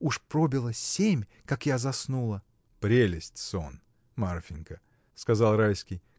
Уж пробило семь, как я заснула. — Прелесть — сон, Марфинька! — сказал Райский.